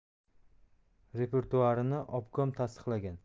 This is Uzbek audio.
repertuarini obkom tasdiqlagan